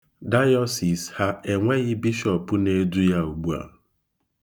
Dayọsis ha enweghi bishọpụ na-edu ya ugbu a.